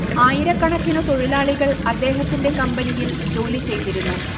ആയിരക്കണക്കിനു തൊഴിലാളികൾ അദ്ദേഹത്തിന്റെ കമ്പനിയിൽ ജോലി ചെയ്തിരുന്നു